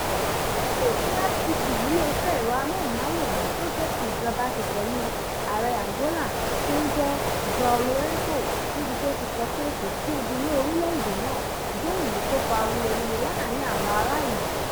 Ìfọ̀rọ̀wánilẹ́nuwò tí RTP, ileeṣẹ́ ẹ̀rọ amóhùn-máwòrán tó jẹ́ ti ìjọba ṣe pẹ̀lú Aàrẹ Angola tó ń jẹ́ João Lourenço,, níbi tí ó ti sọ pé kò sí ebi ní orilẹ́ èdè náà jẹ́ èyí tó fa awuyewúye láàárìn àwọn ará ìlú.